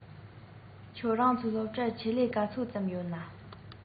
ཁྱོད རང ཚོའི སློབ གྲྭར ཆེད ལས ག ཚོད ཙམ ཡོད ན